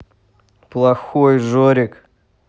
плохой жорик